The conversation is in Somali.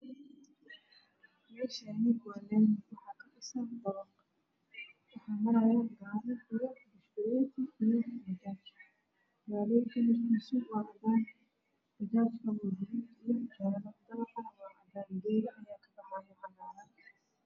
Meeshaan waa laami waxaa kadhisan dabaq waxaa maraayo gaari iyo bajaaj. Kalarka gaariga waa cadaan, bajajkana waa jaale, dabaqa waa cadaan geedo cagaaran ayaa kabaxaayo.